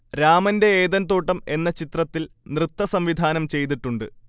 രാമന്റെ ഏദൻതോട്ടം എന്ന ചിത്രത്തിൽ നൃത്തസംവിധാനം ചെയ്തിട്ടുണ്ട്